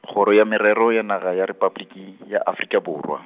Kgoro ya Merero ya Naga ya Repabliki ya Afrika Borwa.